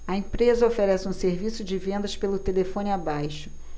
a empresa oferece um serviço de vendas pelo telefone abaixo